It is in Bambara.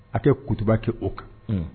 A kɛ kutuba kɛ o kan